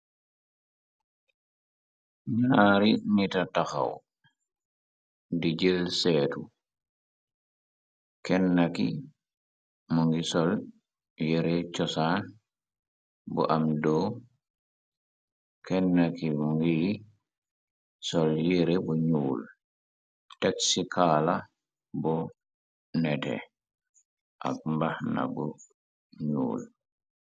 ñyaari nita ngi taxaw di jël seetu kennna ki mu ngi sol yere cosaan bu am do kenna ki mu ngi sol yere bu nuul teg ci kaala bu nete ak mbaxna bu nuul